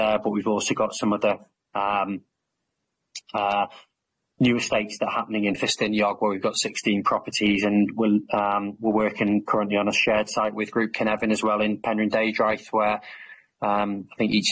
there but we've also got some other um uh new estates that happening in Vestiniog where we've got sixteen properties and we'll um we're working currently on a shared site with group Cenefin as well in Penrhyn Deudraeth where yym I think each